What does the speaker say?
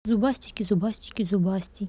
зубастики зубастики зубастики